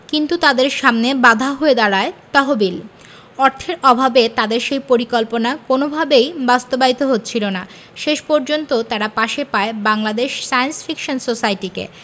কিন্তু তাদের সামনে বাধা হয়ে দাঁড়ায় তহবিল অর্থের অভাবে তাদের সেই পরিকল্পনা কোনওভাবেই বাস্তবায়িত হচ্ছিল না শেষ পর্যন্ত তারা পাশে পায় বাংলাদেশ সায়েন্স ফিকশন সোসাইটিকে